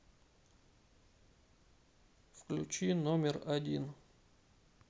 включи номер один